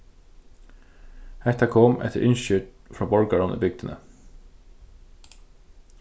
hetta kom eftir ynski frá borgarum í bygdini